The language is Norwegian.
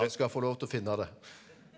han skal få lov til å finne det.